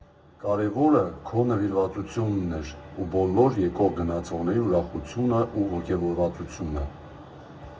Կարևորը քո նվիրվածությունն էր ու բոլոր եկող֊գնացողների ուրախությունը ու ոգևորվածությունը։